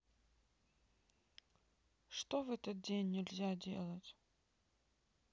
что в этот день нельзя делать